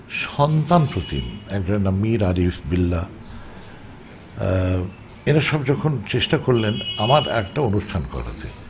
কিছু সন্তান প্রতিম একজনের নাম মির আলী বিল্লাহ এরা সব যখন চেষ্টা করলেন আমার একটা অনুষ্ঠান করাতে